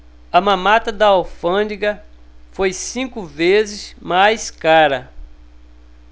a mamata da alfândega foi cinco vezes mais cara